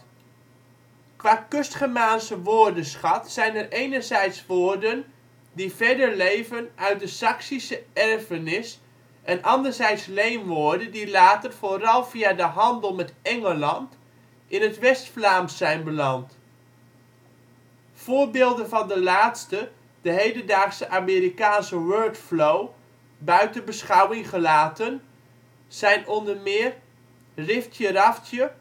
Qua Kustgermaanse woordenschat zijn er enerzijds woorden die verder leven uit de Saksische erfenis en anderzijds leenwoorden die later vooral via de handel met Engeland in het West-Vlaams zijn beland. Voorbeelden van de laatste, de hedendaagse Amerikaanse ' wordflow ' buiten beschouwing gelaten, zijn onder meer riftje-raftje